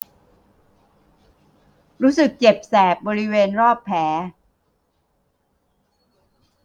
รู้สึกเจ็บแสบบริเวณรอบแผล